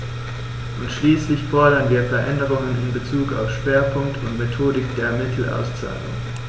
Und schließlich fordern wir Veränderungen in bezug auf Schwerpunkt und Methodik der Mittelauszahlung.